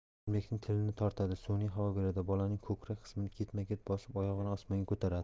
nishonbekning tilini tortadi sun'iy havo beradi bolaning ko'krak qismini ketma ket bosib oyog'ini osmonga ko'taradi